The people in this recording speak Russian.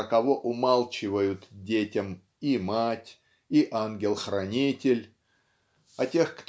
про кого умалчивают детям и мать и ангел-хранитель о тех